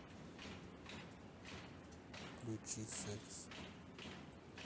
включи секс